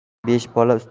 besh bola ustiga borsang